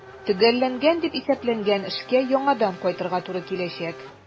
Төгәлләнгән дип исәпләнгән эшкә яңадан кайтырга туры киләчәк.